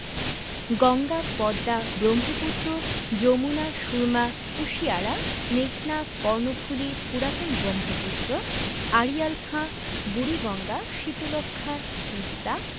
গঙ্গা পদ্মা ব্রহ্মপুত্র যমুনা সুরমা কুশিয়ারা মেঘনা কর্ণফুলি পুরাতন ব্রহ্মপুত্র আড়িয়াল খাঁ বুড়িগঙ্গা শীতলক্ষ্যা তিস্তা